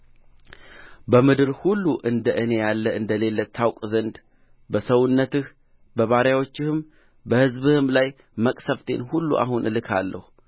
በምድር ሁሉ እንደ እኔ ያለ እንደሌለ ታውቅ ዘንድ በሰውነትህ በባሪያዎችህም በሕዝብህም ላይ መቅሠፍቴን ሁሉ አሁን እልካለሁ